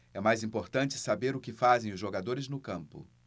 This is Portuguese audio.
é mais importante saber o que fazem os jogadores no campo